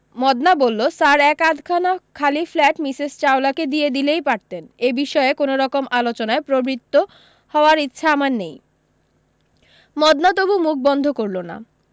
মদনা বললো স্যার এক আধখানা খালি ফ্ল্যাট মিসেস চাওলাকে দিয়ে দিলেই পারতেন এ বিষয়ে কোনোরকম আলোচনায় প্রবৃত্ত হওয়ার ইচ্ছা আমার নেই মদনা তবু মুখ বন্ধ করলো না